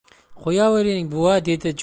qo'yavering buva deydi